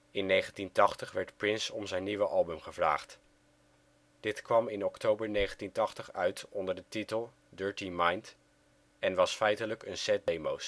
In 1980 werd Prince om zijn nieuwe album gevraagd. Dit kwam in oktober 1980 uit onder de titel Dirty Mind, en was feitelijk een set demo 's